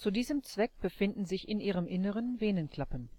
diesem Zweck befinden sich in ihrem Inneren Venenklappen